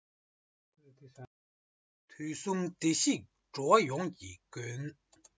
དུས གསུམ བདེར གཤེགས འགྲོ བ ཡོངས ཀྱི མགོན